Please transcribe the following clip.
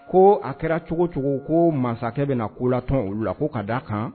Ko a kɛra cogo o cogo ko masakɛ bɛna ko latɔn olu la ko ka da' kan.